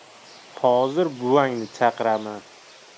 hozir buvangni chaqiraman